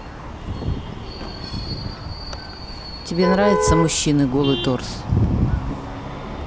тебе нравятся мужчины голый торс